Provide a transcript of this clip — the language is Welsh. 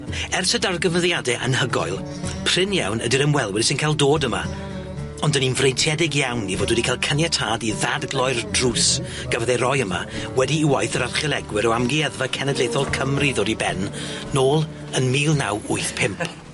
Ers y darganfyddiade anhygoel, prin iawn ydi'r ymwelwyr sy'n ca'l dod yma, ond 'dyn ni'n freintiedig iawn i fod wedi ca'l caniatâd i ddadgloi'r drws gafodd ei roi yma wedi i waith yr archeolegwyr o amgueddfa cenedlaethol Cymru ddod i ben nôl yn mil naw wyth pump.